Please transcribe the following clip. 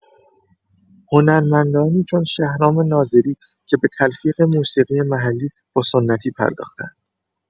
هنرمندانی چون شهرام ناظری که به تلفیق موسیقی محلی با سنتی پرداخته‌اند.